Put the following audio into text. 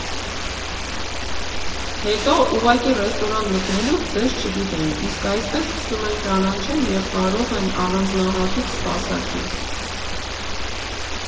Հետո, ուղղակի ռեստորան մտնելուց ձեզ չգիտեն, իսկ այսպես սկսում են ճանաչել և կարող են առանձնահատուկ սպասարկել։